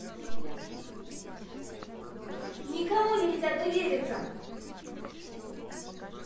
никому нельзя довериться